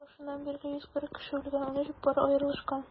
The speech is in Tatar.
Ел башыннан бирле 140 кеше үлгән, 13 пар аерылышкан.